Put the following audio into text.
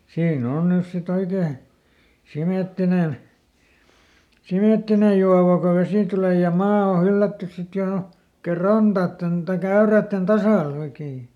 siinä on nyt sitten oikein sementtinen sementtinen juova kun vesi tulee ja maa on hyllätty sitten jo oikein rantojen tai äyräiden tasalle oikein